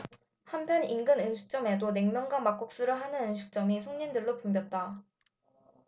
한편 인근 음식점에도 냉면과 막국수를 하는 음식점이 손님들로 붐볐다